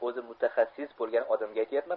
o'zi mutaxassis bo'lgan odamga aytyapman